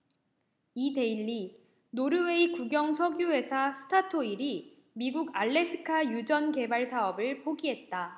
이데일리 노르웨이 국영석유회사 스타토일이 미국 알래스카 유전개발 사업을 포기했다